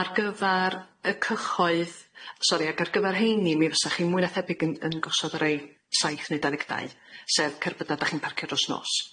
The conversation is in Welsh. Ar gyfar y cychoedd sori ag ar gyfar heini mi fysach chi mwy na thebyg yn yn gosod o rei saith neu dauddeg dau sef cerbydau dach chi'n parcio dros nos.